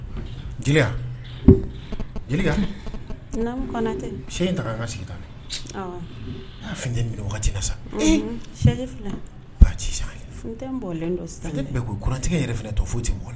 Sigi waati satigɛ yɛrɛ to foyi tɛ